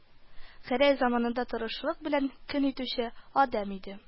Гәрәй заманында тырышлык белән көн итүче адәм иде